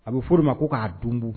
A bɛ f ma ko k'a dunbo